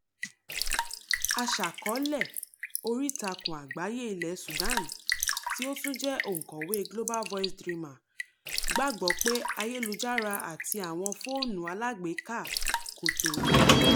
Aṣàkọọ́lẹ̀ oríìtakùn àgbáyé ilẹ̀ Sudan tí ó tún jẹ́ òǹkọ̀wé Global Voices Drima gbàgbọ́ pé Ayélujára àti àwọn fóònù alágbèéká kò tó.